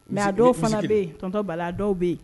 Mɛ a dɔw fana bɛ yen tɔntɔ bala dɔw bɛ yen